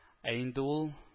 Ә инде ул